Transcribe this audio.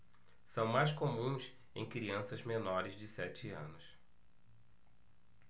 são mais comuns em crianças menores de sete anos